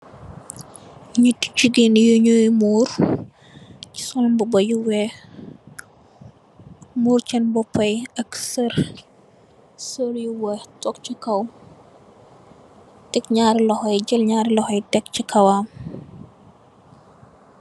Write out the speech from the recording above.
N'iati jigeen yongir morr sol boba you weex mor sen bopa yi ak serr u weex tek si kaw ak niari lohosi kaw yere bu weex.